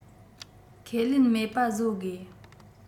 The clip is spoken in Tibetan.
ཁས ལེན མེད པ བཟོས དགོ